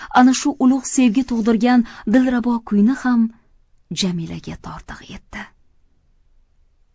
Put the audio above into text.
ana shu ulug' sevgi tug'dirgan dilrabo kuyni ham jamilaga tortiq etdi